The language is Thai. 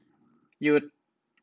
หยุด